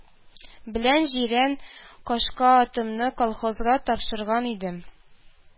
Белән җирән кашка атымны колхозга тапшырган идем